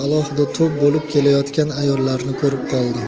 alohida to'p bo'lib kelayotgan ayollarni ko'rib qoldi